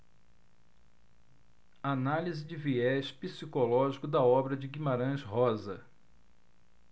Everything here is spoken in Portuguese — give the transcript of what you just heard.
análise de viés psicológico da obra de guimarães rosa